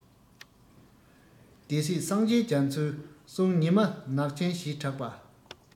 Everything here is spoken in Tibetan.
སྡེ སྲིད སངས རྒྱས རྒྱ མཚོའི གསུང ཉི མ ནག ཆེན ཞེས གྲགས པ